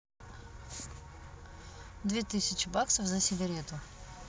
две тысячи баксов за сигарету